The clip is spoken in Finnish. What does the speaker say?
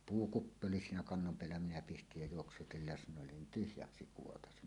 puukuppi oli siinä kannon päällä minä pistin ja juoksutin lesnoille niin tyhjäksi kuoraisi